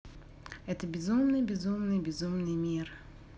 это безумный безумный безумный мир